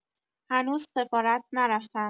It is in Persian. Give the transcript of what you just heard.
هنوز سفارت نرفتم.